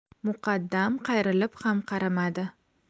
muqaddam qayrilib ham qaramadi